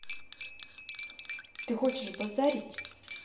ты хочешь базарить